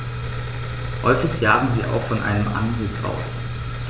Häufig jagen sie auch von einem Ansitz aus.